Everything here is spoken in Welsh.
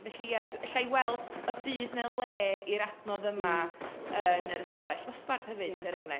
felly ia alla i weld y byd neu'r le i'r adnodd yma yn yr ystafell. Osbarth hefyd, er enghraifft.